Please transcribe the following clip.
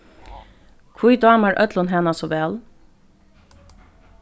hví dámar øllum hana so væl